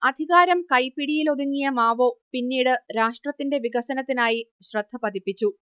അധികാരം കൈപ്പിടിയിലൊതുങ്ങിയ മാവോ പിന്നീട് രാഷ്ട്രത്തിന്റെ വികസനത്തിനായി ശ്രദ്ധ പതിപ്പിച്ചു